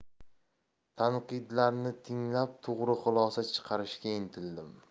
tanqidlarni tinglab to'g'ri xulosa chiqarishga intildim